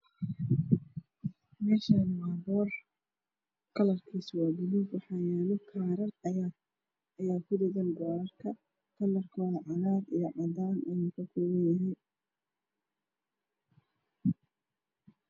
Meeshaan waa boor kalarkiisu waa buluug waxaa dhagan kaarar kalarkeedu waa cadaan iyo cagaar ah.